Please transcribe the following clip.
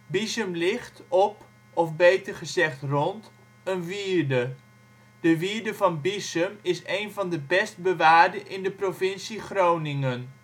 Biessum ligt op, of beter gezegd rond, een wierde. De wierde van Biessum is een van de best bewaarde in de provincie Groningen